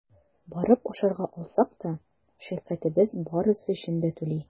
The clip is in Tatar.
Барып ашарга алсак та – ширкәтебез барысы өчен дә түли.